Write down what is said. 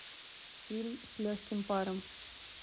фильм с легким паром